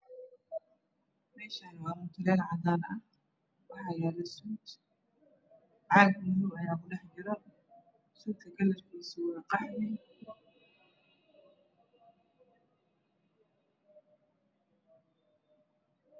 Meshan waa mutulel cadanah waxa yaalo suud cagmadow ah ayakudhaxjira suudka kalarkisa waa qaxwi